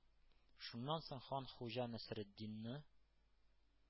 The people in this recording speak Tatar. Шуннан соң хан Хуҗа Насретдинны